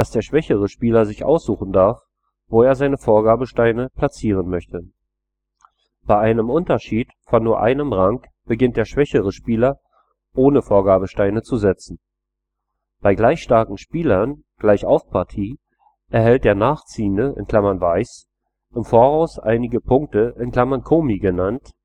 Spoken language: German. der schwächere Spieler sich aussuchen darf, wo er seine Vorgabesteine platzieren möchte. Bei einem Unterschied von nur einem Rang beginnt der schwächere Spieler, ohne Vorgabesteine zu setzen. Bei gleich starken Spielern (Gleichaufpartie) erhält der Nachziehende (Weiß) im Voraus einige Punkte (Komi genannt